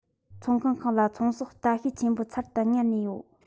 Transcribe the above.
ཚོང ཁང ཁག ལ ཚོང ཟོག བལྟ ཤེད ཆེན པོ ཚར དུ དངར ནས ཡོད